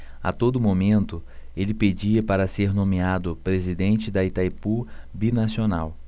a todo momento ele pedia para ser nomeado presidente de itaipu binacional